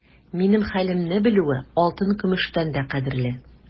Минем хәлемне белүе алтын-көмештән дә кадерле.